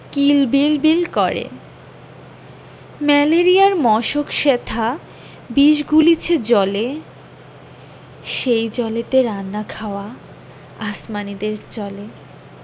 কিল বিল বিল করে ম্যালেরিয়ার মশক সেথা বিষ গুলিছে জলে সেই জলেতে রান্না খাওয়া আসমানীদের চলে